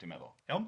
dwi'n meddwl, iawn?